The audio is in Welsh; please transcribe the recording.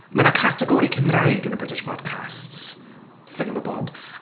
Mae 'na categori Cymreig yn y British Podcasts Thingamabob.